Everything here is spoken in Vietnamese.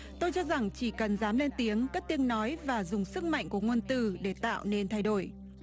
tôi cho rằng chỉ cần dám lên tiếng cất tiếng nói và dùng sức mạnh của ngôn từ để tạo nên thay đổi